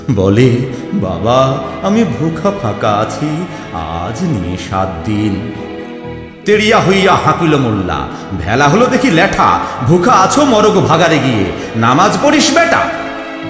বলে বাবা আমি ভুকা ফাকা আছি আজ নিয়ে সাত দিন তেরিয়া হইয়া হাঁকিল মোল্লা ভ্যালা হল দেখি লেঠা ভুখা আছ মর গো ভাগাড়ে গিয়ে নামাজ পড়িস বেটা